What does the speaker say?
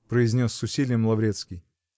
-- произнес с усилием Лаврецкий.